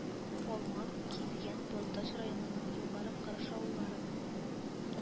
Калмык, Кизгән, Балтач районының Югары Карыш авыллары